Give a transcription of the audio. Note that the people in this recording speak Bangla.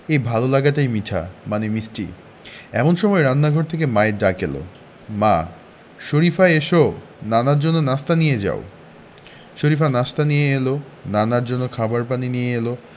এই ভালো লাগাটাই মিঠা মানে মিষ্টি এমন সময় রান্নাঘর থেকে মায়ের ডাক এলো মা শরিফা এসো নানার জন্য নাশতা নিয়ে যাও শরিফা নাশতা নিয়ে এলো নানার জন্য খাবার পানি নিয়ে এলো